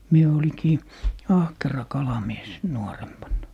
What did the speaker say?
minä olinkin ahkera kalamies nuorempana